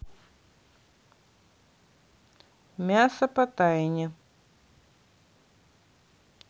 мясо по тайне